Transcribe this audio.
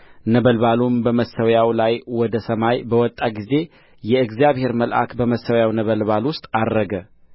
ነበልባሉም ከመሠዊያው ላይ ወደ ሰማይ በወጣ ጊዜ የእግዚአብሔርም መልአክ በመሠዊያው ነበልባል ውስጥ ዐረገ